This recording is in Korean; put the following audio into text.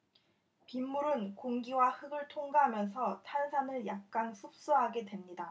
빗물은 공기와 흙을 통과하면서 탄산을 약간 흡수하게 됩니다